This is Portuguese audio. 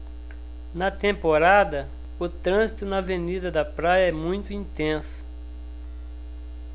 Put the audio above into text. na temporada o trânsito na avenida da praia é muito intenso